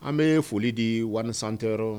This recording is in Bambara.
An bɛ foli di walisanteyɔrɔ